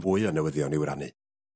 ...fwy o newyddion i'w rannu.